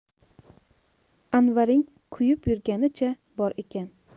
anvaring kuyib yurganicha bor ekan